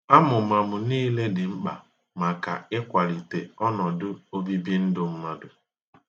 Amụmamụ niile dị mkpa maka ịkwalite ọnọdụ obibi ndụ mmadụ.